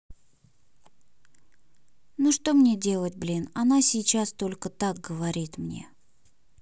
ну что мне делать блин она сейчас только так говорит мне